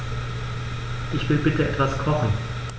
Ich will bitte etwas kochen.